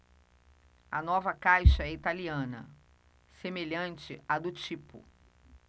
a nova caixa é italiana semelhante à do tipo